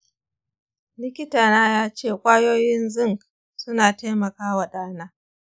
likatana ya ce kwayoyin zinc suna taimaka wa dana.